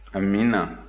amiina